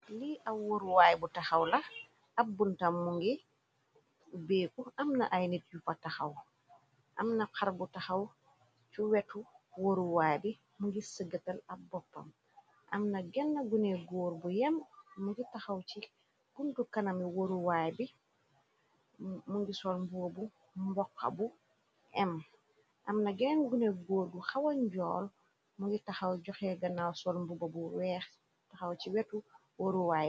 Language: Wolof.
lii aw waruwaay bu taxaw la ab buntam mu ngi béeku amna ay nit yu pa taxaw amna xar bu taxaw ci wetu waruwaay bi mungi sëgëtal ab boppam amna genn gune góor bu yem mungi taxaw ci buntu kanami wruw mu ngi solmbo bu mbokxa bu em amna geneen gune góor bu xawanjool mu ngi taxaw joxe ganaw solmbobo bu weex taxaw ci wetu waruwaaye